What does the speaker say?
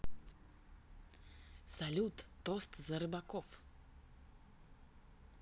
салют тост за рыбаков